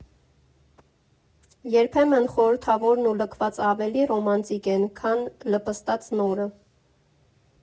Երբեմն խորհրդավորն ու լքվածն ավելի ռոմանտիկ են, քան լպստած նորը։